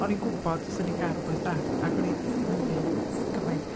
O'n i'n gwbod 'san ni'n cael rhywbeth da. Ac o'n i 'di cynhyrfu gymaint.